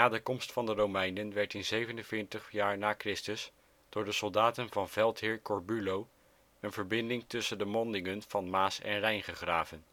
de komst van de Romeinen werd in 47 n. Chr. door de soldaten van veldheer Corbulo een verbinding tussen de mondingen van Maas en Rijn gegraven